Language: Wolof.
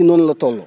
ci noonu la toll